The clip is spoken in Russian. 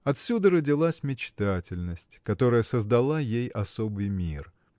Отсюда родилась мечтательность, которая создала ей особый мир.